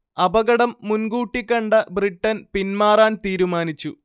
അപകടം മുൻകൂട്ടി കണ്ട ബ്രിട്ടൻ പിന്മാറാൻ തീരുമാനിച്ചു